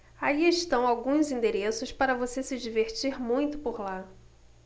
aí estão alguns endereços para você se divertir muito por lá